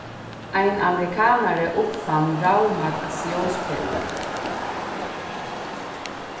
ein amerikanari uppfann ravmagnsljósperuna